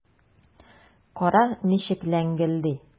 Кара, ничек ләңгелди!